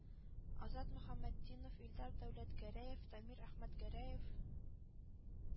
Азат Мөхәммәтдинов, Илдар Дәүләтгәрәев, Дамир Әхмәтгәрәев